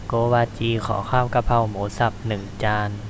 โกวาจีขอข้าวกะเพราหมูสับหนึ่งจาน